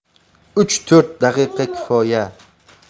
uch to'rt daqiqa kifoya